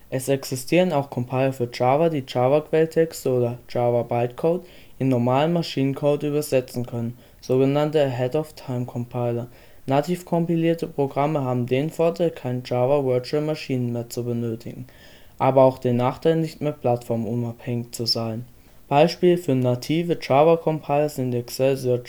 Es existieren auch Compiler für Java, die Java-Quelltexte oder Java-Bytecode in „ normalen “Maschinencode übersetzen können, so genannte Ahead-of-time-Compiler. Nativ kompilierte Programme haben den Vorteil, keine JavaVM mehr zu benötigen, aber auch den Nachteil, nicht mehr plattformunabhängig zu sein. Beispiele für native Java Compiler sind Excelsior